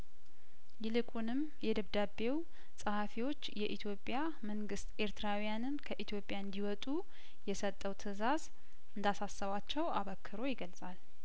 ይልቁንም የደብዳቤው ጸሀፊዎች የኢትዮጵያ መንግስት ኤርትራውያንን ከኢትዮጵያ እንዲወጡ የሰጠው ትእዛዝ እንዳ ሳሰባቸው አበክሮ ይገልጻል